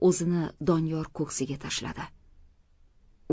o'zini doniyor ko'ksiga tashladi